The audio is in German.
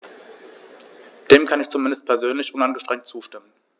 Dem kann ich zumindest persönlich uneingeschränkt zustimmen.